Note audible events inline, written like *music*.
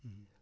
*hesitation* *hesitation*